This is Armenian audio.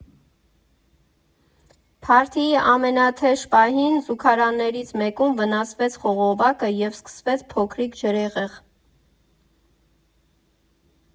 Փարթիի ամենաթեժ պահին՝ զուգարաններից մեկում վնասվեց խողովակը և սկսվեց փոքրիկ ջրհեղեղ։